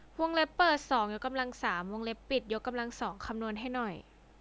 วงเล็บเปิดสองยกกำลังสามวงเล็บปิดยกกำลังสองคำนวณให้หน่อย